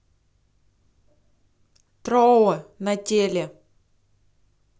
trove на теле